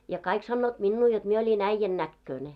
ja kaikki sanoivat minua jotta minä olin äijän näköinen